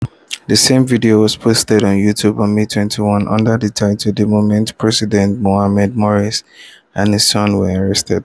The same video was posted on YouTube on May 21, 2013 under the title “The moment President Mohamed Morsi and his son were arrested.”